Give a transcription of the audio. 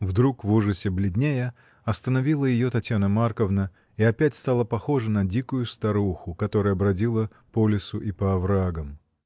— вдруг, в ужасе, бледнея, остановила ее Татьяна Марковна, и опять стала похожа на дикую старуху, которая бродила по лесу и по оврагам.